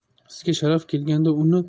sizga sharaf kelganda uni